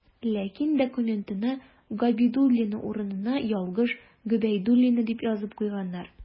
Ләкин документына «Габидуллина» урынына ялгыш «Гобәйдуллина» дип язып куйганнар.